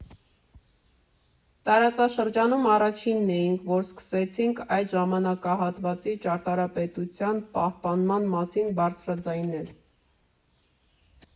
Տարածաշրջանում առաջինն էինք, որ սկսեցինք այդ ժամանակահատվածի ճարտարապետության պահպանան մասին բարձրաձայնել։